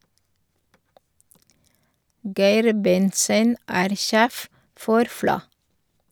Geir Bentzen er sjef for FLA.